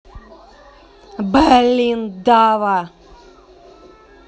блин дава